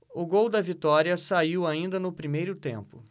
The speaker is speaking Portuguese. o gol da vitória saiu ainda no primeiro tempo